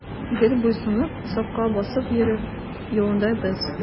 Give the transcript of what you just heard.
Гел буйсынып, сафка басып йөрү юлында без.